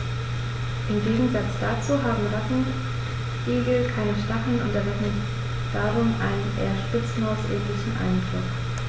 Im Gegensatz dazu haben Rattenigel keine Stacheln und erwecken darum einen eher Spitzmaus-ähnlichen Eindruck.